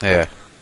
A ie.